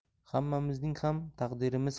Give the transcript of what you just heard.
hammamizning ham taqdirimiz